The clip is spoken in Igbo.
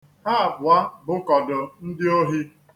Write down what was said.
Ha abụọ bukọdo ndị ohi.